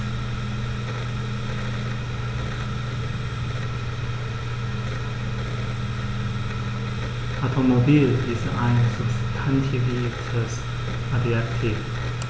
Automobil ist ein substantiviertes Adjektiv.